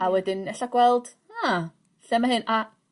a wedyn ella gweld a lle ma' hyn a